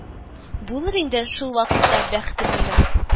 Булыр иде шул вакытта бәхтем минем